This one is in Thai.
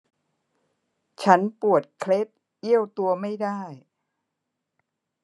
ฉันปวดเคล็ดเอี้ยวตัวไม่ได้